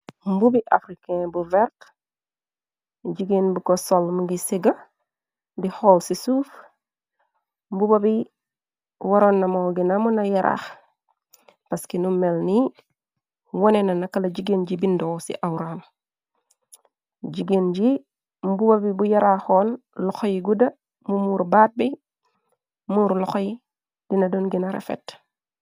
Mbubi afrikain bu vert jigéen bi ko sol mu ngi séga di hall ci suuf mbubabi waroon namoo gina muna yaraax paskinu mel ni wone na nakala jigéen ji bindoo ci awram jigéen ji mbubabi bu yaraaxoon loxoy gudda mu muuru baat be muuru loxoy dina don gina rafet.